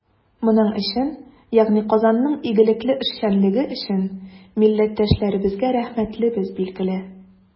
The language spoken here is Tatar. Моның өчен, ягъни Казанның игелекле эшчәнлеге өчен, милләттәшләребезгә рәхмәтлебез, билгеле.